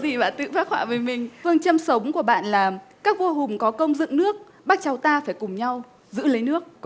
gì bạn tự phác họa về mình phương châm sống của bạn là các vua hùng có công dựng nước bác cháu ta phải cùng nhau giữ lấy nước